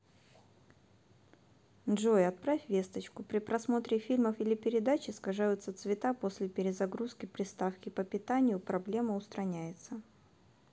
джой отправь весточку при просмотре фильмов или передач искажаются цвета после перезагрузки приставки по питанию проблема устраняется